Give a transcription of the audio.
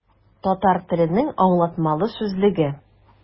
Татар теленең аңлатмалы сүзлеге.